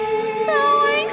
ơi